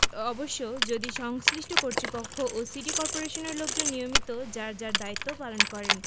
অবশ্য যদি সংশ্লিষ্ট কর্তৃপক্ষ ও সিটি কর্পোরেশনের লোকজন নিয়মিত যার যার দায়িত্ব পালন করেন